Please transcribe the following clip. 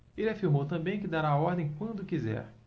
ele afirmou também que dará a ordem quando quiser